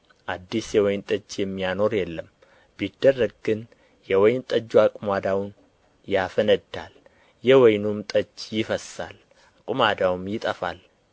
አዲስ የወይን ጠጅ የሚያኖር የለም ቢደረግ ግን የወይን ጠጁ አቁማዳውን ያፈነዳል የወይኑም ጠጅ ይፈሳል አቁማዳውም ይጠፋል